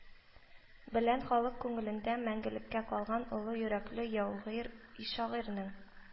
Белән халык күңелендә мәңгелеккә калган олы йөрәкле яугир шагыйрьнең